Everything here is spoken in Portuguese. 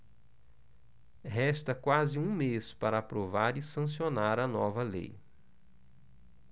resta quase um mês para aprovar e sancionar a nova lei